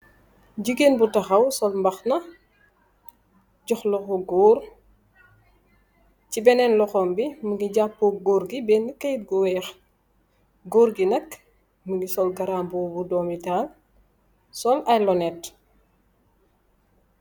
Gigeen bu taxaw sol mbàxna jox loxo gór, ci benen loxom bi mugii japoo gór gi benna kayit bu wèèx , gór gi nak mugii sol garambubu bu doomi tahal sol ay lonet.